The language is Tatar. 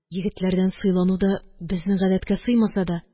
Егетләрдән сыйлану да безнең гадәткә сыймаса да